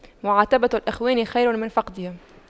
معاتبة الإخوان خير من فقدهم